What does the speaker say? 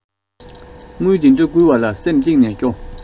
དངུལ འདི འདྲ བསྐུར བ ལ སེམས གཏིང ནས སྐྱོ